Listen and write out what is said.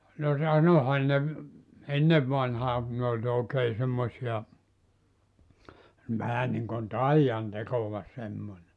no sanoihan ne - ennen vanhaan kun ne oli oikein semmoisia vähän niin kuin taian tekoa semmoinen